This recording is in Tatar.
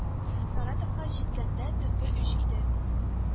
Саратовка җиткәндә төнге өч иде